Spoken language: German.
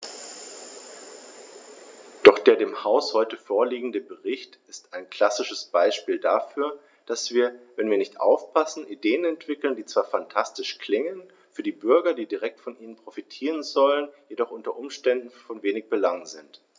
Doch der dem Haus heute vorliegende Bericht ist ein klassisches Beispiel dafür, dass wir, wenn wir nicht aufpassen, Ideen entwickeln, die zwar phantastisch klingen, für die Bürger, die direkt von ihnen profitieren sollen, jedoch u. U. von wenig Belang sind.